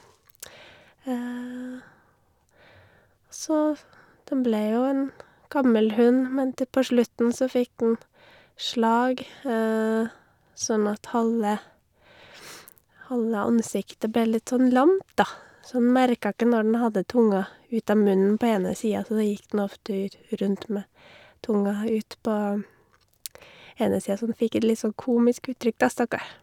Så den ble jo en gammel hund men t på slutten så fikk den slag sånn at halve halve ansiktet ble litt sånn lamt da, så den merka ikke når den hadde tunga ut av munnen på ene sida, så da gikk den ofte ut rundt med tunga ut på ene sida så den fikk et litt sånn komisk uttrykk da stakkar.